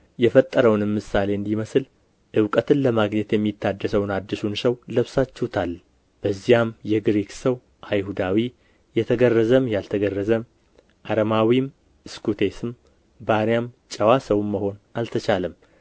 የፈጠረውንም ምሳሌ እንዲመስል እውቀትን ለማግኘት የሚታደሰውን አዲሱን ሰው ለብሳችሁታል በዚያም የግሪክ ሰው አይሁዳዊም የተገረዘም ያልተገረዘም አረማዊም እስኩቴስም ባሪያም ጨዋ ሰውም መሆን አልተቻለም